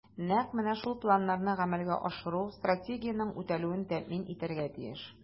Нәкъ менә шул планнарны гамәлгә ашыру Стратегиянең үтәлүен тәэмин итәргә тиеш.